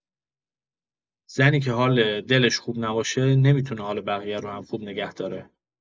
زنی که حال دلش خوب نباشه، نمی‌تونه حال بقیه رو هم خوب نگه داره.